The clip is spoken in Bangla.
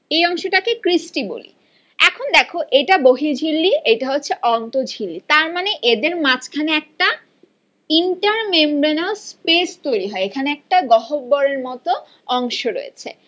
এই অংশটা কে ক্রিস্টি বলি এখন দেখো এটা বহির ঝিল্লি অন্ত ঝিল্লি তার মানে এদের মাঝখানে একটা ইন্টার মেমব্রেনাস স্পেস তৈরি হয় এখানে একটা গহবরের মত অংশ রয়েছে